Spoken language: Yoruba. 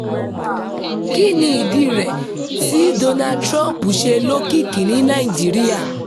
Kíni ìdí irẹ̀ tí Donald Trump ṣe l'ókìkí ní Nàìjíríà?